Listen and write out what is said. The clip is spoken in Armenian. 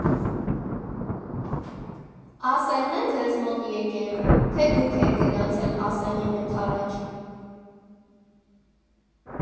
Ասե՞ղն է ձեզ մոտ եկել, թե՞ դուք եք գնացել ասեղին ընդառաջ։